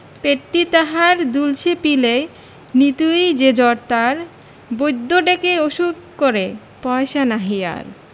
পেটটি তাহার দুলছে পিলেয় নিতুই যে জ্বর তার বৈদ্য ডেকে ওষুধ করে পয়সা নাহি আর